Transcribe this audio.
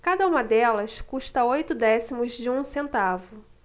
cada uma delas custa oito décimos de um centavo